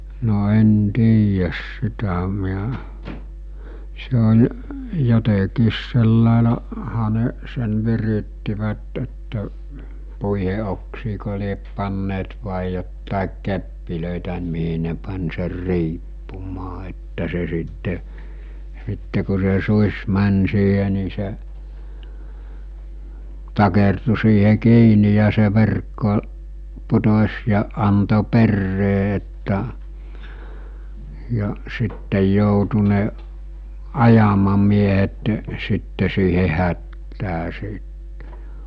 no en tiedä sitä minä se oli jotenkin - sillä laillahan ne sen virittivät että puiden oksiinko lie panneet vai jotakin keppejä mihin ne pani sen riippumaan että se sitten sitten kun se susi meni siihen niin se takertui siihen kiinni ja se verkko putosi ja antoi perään että ja sitten joutui ne ajamamiehet sitten siihen hätään sitten